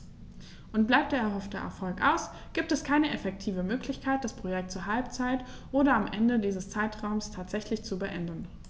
Und bleibt der erhoffte Erfolg aus, gibt es keine effektive Möglichkeit, das Projekt zur Halbzeit oder am Ende dieses Zeitraums tatsächlich zu beenden.